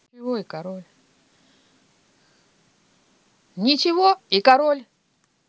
ничего и король